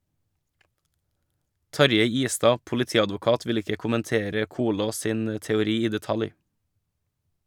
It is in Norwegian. Tarjei Istad, politiadvokat, vil ikke kommentere Kolås sin teori i detalj.